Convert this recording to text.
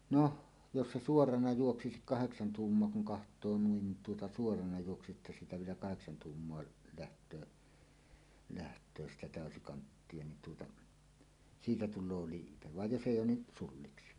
no jos se suorana juoksisikin kahdeksan tuumaa kun katsoo noin tuota suorana juoksisi että siitä vielä kahdeksan tuumaa lähtee lähtee sitä täysikanttia niin tuota siitä tulee liipe vaan jos ei ole niin sulliksi